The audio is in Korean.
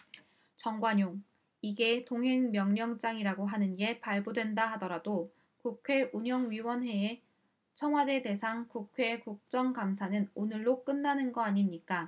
정관용 이게 동행명령장이라고 하는 게 발부된다 하더라도 국회 운영위원회의 청와대 대상 국회 국정감사는 오늘로 끝나는 거 아닙니까